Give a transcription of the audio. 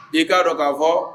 Ii k'a dɔn k'a fɔ